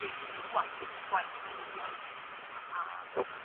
lle dw i rŵan a'r gwaith dwi'n gneud rŵan a